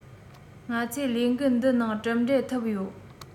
ང ཚོས ལས འགུལ འདི ནང གྲུབ འབྲས ཐོབ ཡོད